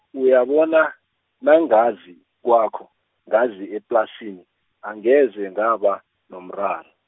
uyabona, nangazi kwakho, ngazi eplasini, angeze ngaba, nomraro.